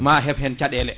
ma hebhen caɗele